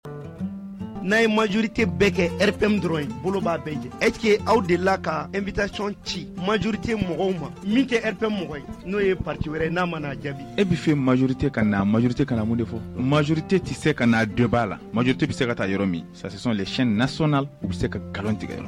N'a ye majorite bɛ kɛ p dɔrɔn bolo bɛɛ jɛ eci aw de la k ka e bɛ taacɔn ci majrite mɔgɔw ma min kɛ p mɔgɔ n'o ye pati wɛrɛ ye n'a mana jaabi e bɛ fɛ majrite ka majurute ka mun de fɔ mazorite tɛ se ka dɔ bbaaa la maj te bɛ se ka taa yɔrɔ min sasi lec na sɔn u bɛ se ka nkalon tigɛyɔrɔ